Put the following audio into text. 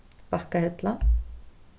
bakkahella